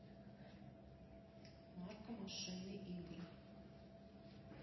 марка машины игры